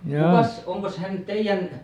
kukas onkos hän teidän